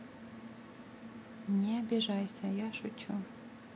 не обижайся я шучу